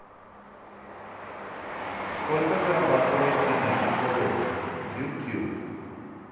сколько зарабатывают геннадий головкин youtube